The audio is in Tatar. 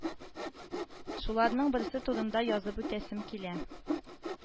Шуларның берсе турында язып үтәсем килә